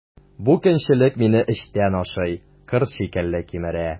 Бу көнчелек мине эчтән ашый, корт шикелле кимерә.